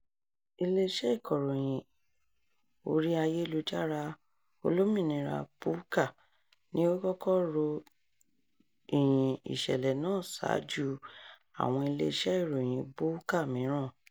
Ilé-iṣẹ́ Ìkóròyìnjọ Orí-ayélujára Olómìnira Bulka ni ó kọ́kọ́ ro ìyìn ìṣẹ̀lẹ̀ náà ṣáájú àwọn ilé-iṣẹ́ ìròyìn Bulka mìíràn.